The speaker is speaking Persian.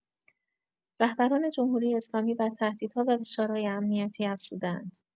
رهبران جمهوری‌اسلامی بر تهدیدها و فشارهای امنیتی افزوده‌اند